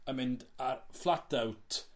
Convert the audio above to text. yn mynd a flat out